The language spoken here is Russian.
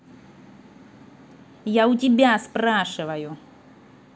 я у тебя спрашиваю